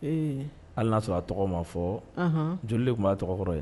Hali y'a sɔrɔ a tɔgɔ ma fɔ joli de tun tɔgɔ ye